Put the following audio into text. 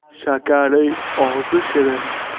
shakarning ozi shirin